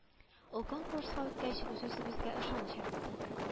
Ул конкурска үткәч үз-үзебезгә ышаныч артты